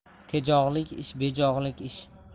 tejog'lik ish bejog'lik ish